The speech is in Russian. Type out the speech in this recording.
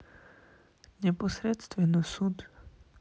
непосредственно суд